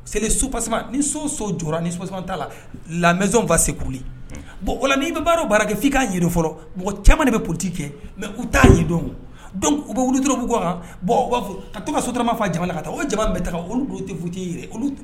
Seli so ni so so jɔ ni tasuma t'a la lafa seli wala mini bɛ baaradɔ baara kɛ k'i k'a yɛrɛ fɔlɔ mɔgɔ de bɛ pti kɛ mɛ u t'a ye dɔn u bɛ wulu dɔrɔn kan b'a fɔ ka to ka soturama faa jamana ka taa o jamana bɛ taa olu don tɛ futa